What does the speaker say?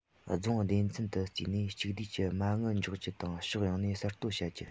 རྫོང སྡེ ཚན དུ བརྩིས ནས གཅིག བསྡུས ཀྱིས མ དངུལ འཇོག རྒྱུ དང ཕྱོགས ཡོངས ནས གསར གཏོད བྱ རྒྱུ